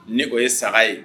Ni o ye saga ye